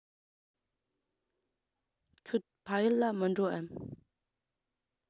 ཁྱོད ཕ ཡུལ ལ མི འགྲོ འམ